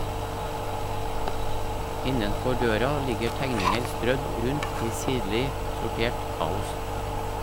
Innenfor døra ligger tegninger strødd rundt i sirlig sortert kaos.